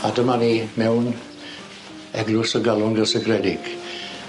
A dyma ni mewn Eglwys y Galon Gysegredig.